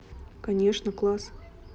конечно класс